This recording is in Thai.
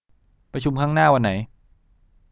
ประชุมครั้งหน้าวันไหน